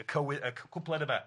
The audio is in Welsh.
y cywy- y cwpled yma.